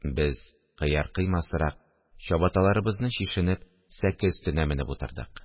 Без, кыяр-кыймасрак, чабаталарыбызны чишенеп, сәке өстенә менеп утырдык